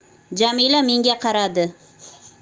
jamila menga qaradi